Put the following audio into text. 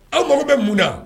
Aw mago bɛ mun na?